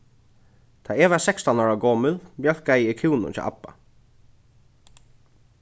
tá eg var sekstan ára gomul mjólkaði eg kúnum hjá abba